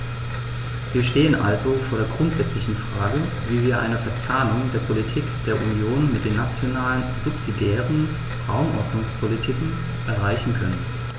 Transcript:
Wir stehen also vor der grundsätzlichen Frage, wie wir eine Verzahnung der Politik der Union mit den nationalen subsidiären Raumordnungspolitiken erreichen können.